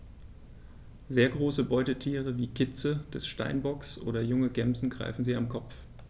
Sehr große Beutetiere wie Kitze des Steinbocks oder junge Gämsen greifen sie am Kopf.